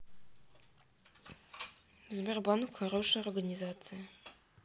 сбербанк хорошая организация